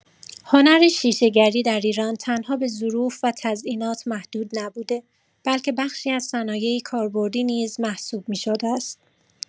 هنر شیشه‌گری در ایران تنها به ظروف و تزئینات محدود نبوده، بلکه بخشی از صنایع کاربردی نیز محسوب می‌شده است.